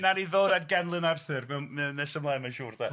...wnawn ni ddod at Ganlyn Arthur mewn mewn nes ymlaen mae'n siŵr de.